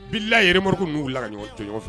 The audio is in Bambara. Bila yɛrɛmo minnuu la ka ɲɔgɔn tofɛ